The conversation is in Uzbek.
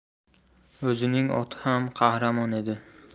o'zining oti ham qahramon edi